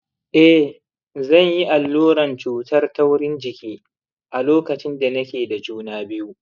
eh, zan yi alluran cutar taurin jiki a lokacin da nake da juna biyu.